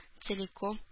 Целиком